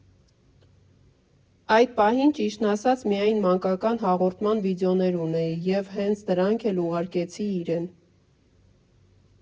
Այդ պահին, ճիշտն ասած, միայն մանկական հաղորդման վիդեոներ ունեի և հենց դրանք էլ ուղարկեցի իրեն։